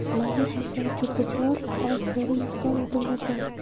mayiz yesang cho'pi bor olxo'ri yesang dumi bor